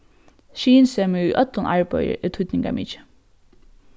skynsemi í øllum arbeiði er týdningarmikið